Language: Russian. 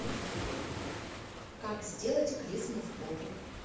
как сделать клизму в попу